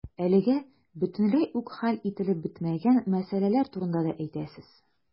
Әлегә бөтенләй үк хәл ителеп бетмәгән мәсьәләләр турында да әйтәсез.